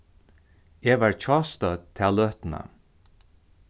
eg var hjástødd ta løtuna